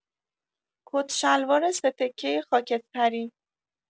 کت‌شلوار سه‌تکه خاکستری